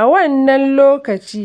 A wannan lokaci